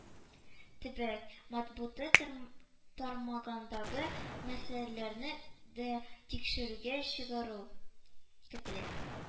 Төбәк матбугаты тармагындагы мәсьәләләрне дә тикшерүгә чыгару көтелә